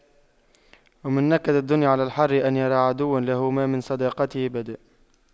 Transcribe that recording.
ومن نكد الدنيا على الحر أن يرى عدوا له ما من صداقته بد